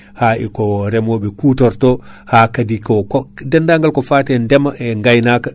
ha e ko remoɓe kutorto ha kaadi ko dennagal ko fate ndeema e gaynaka